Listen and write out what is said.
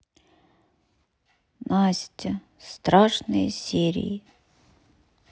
настя страшные серии